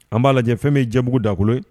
An b'a lajɛ fɛn bɛ jɛbugu dakolo